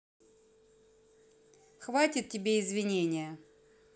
хватит тебе извинения